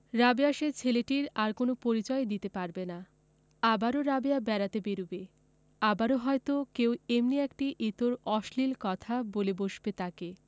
রাবেয়া সেই ছেলেটির আর কোন পরিচয়ই দিতে পারবে না আবারও রাবেয়া বেড়াতে বেরুবে আবারো হয়তো কেউ এমনি একটি ইতর অশ্লীল কথা বলে বসবে তাকে